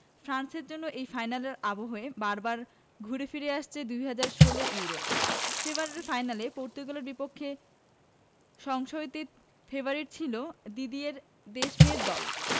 ফ্রান্সের জন্য এই ফাইনালের আবহে বারবার ঘুরে ফিরে আসছে ২০১৬ ইউরো সেবারের ফাইনালে পর্তুগালের বিপক্ষে সংশয়াতীত ফেভারিট ছিল দিদিয়ের দেশমের দল